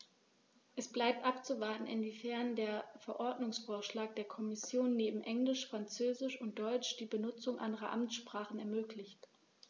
Es bleibt abzuwarten, inwiefern der Verordnungsvorschlag der Kommission neben Englisch, Französisch und Deutsch die Benutzung anderer Amtssprachen ermöglicht.